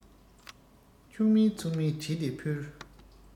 འཁྱུག མིན ཚུགས མིན བྲིས ཏེ ཕུལ